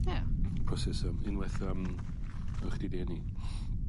Ie. Proses yym unwaith yym pan o chdi 'di eni.